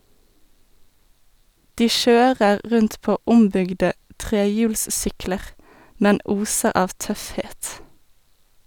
De kjører rundt på ombygde trehjulssykler, men oser av tøffhet.